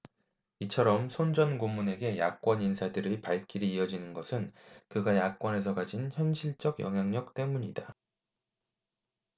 이처럼 손 전 고문에게 야권 인사들의 발길이 이어지는 것은 그가 야권에서 가진 현실적 영향력 때문이다